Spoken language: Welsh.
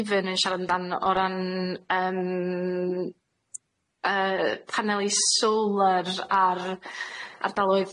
fuon ni'n siarad amdan o ran yym yy paneli solar ar ardaloedd